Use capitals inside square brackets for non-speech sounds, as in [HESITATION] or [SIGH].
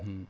[HESITATION] [HESITATION]